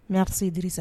Merci Idirisa